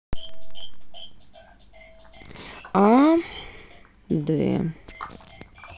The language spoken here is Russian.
а д